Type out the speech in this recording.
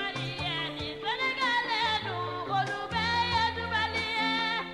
Miniyan tile dugu golo bɛ du la